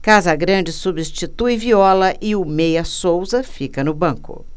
casagrande substitui viola e o meia souza fica no banco